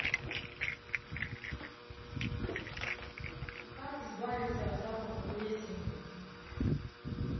как избавиться от запаха плесени